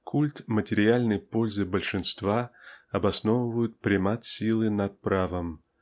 культ материальной пользы большинства обосновывают примат силы над правом